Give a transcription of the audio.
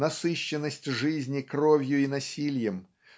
насыщенность жизни кровью и насильем